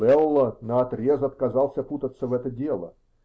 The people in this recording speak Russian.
Лелло наотрез отказался путаться в это дело.